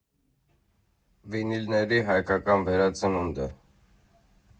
Վինիլների հայկական վերածնունդը.